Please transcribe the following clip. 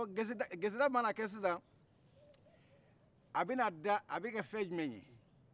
geseda mana kɛ sisan a bɛ kɛ fɛn jumɛn ye